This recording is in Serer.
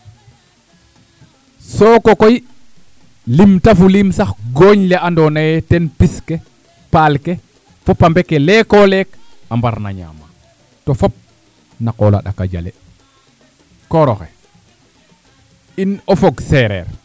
soko koy limta fulim sax gooñ le andoona yee ten pis ke paal ke fo pambe ke leeko leek a mbar ñaam to fop na qool a ɗak a a jale koor oxe in o fog seereer